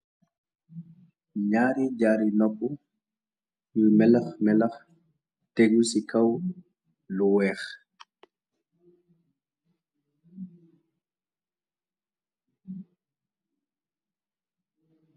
Nyaari jaari nopp yu melax-melax téggu ci kaw lu weex.